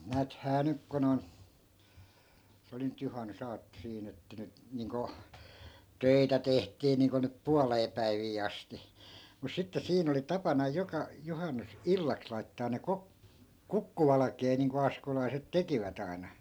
näethän nyt kun on se oli nyt juhannusaatto siinä että nyt niin kuin töitä tehtiin niin kuin nyt puoleen päiviin asti mutta sitten siinä oli tapana joka - juhannusillaksi laittaa ne - kukkuvalkea niin kuin askolaiset tekivät aina